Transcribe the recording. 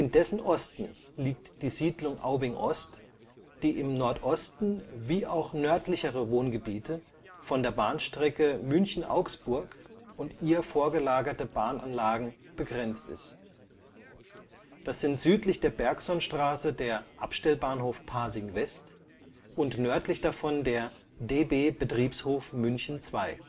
dessen Osten liegt die Siedlung Aubing-Ost, die im Nordosten wie auch nördlichere Wohngebiete von der Bahnstrecke München – Augsburg und ihr vorgelagerte Bahnanlagen begrenzt ist. Das sind südlich der Bergsonstraße der Abstellbahnhof Pasing West und nördlich davon der DB-Betriebshof München 2.